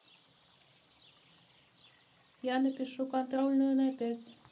я напишу контрольную на пять